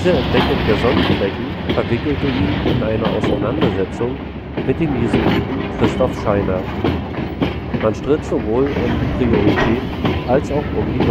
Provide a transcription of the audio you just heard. Entdeckung der Sonnenflecken verwickelte ihn in eine Auseinandersetzung mit dem Jesuiten Christoph Scheiner: Man stritt sowohl um die Priorität als auch um die Deutung